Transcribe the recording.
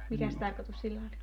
mikäs tarkoitus sillä oli